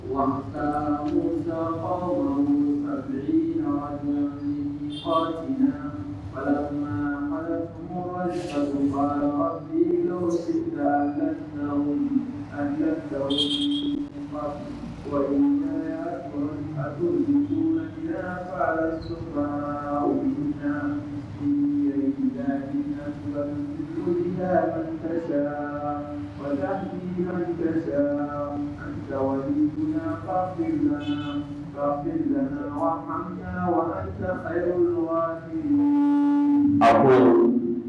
Wa muunɛ fa faamakuma faamatan yo an ja ba wakumadugu yos miniyanyan miniyan yo yo wa jaki ba wa yo